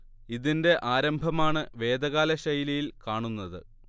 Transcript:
ഇതിന്റെ ആരംഭമാണ് വേദകാല ശൈലിയിൽ കാണുന്നത്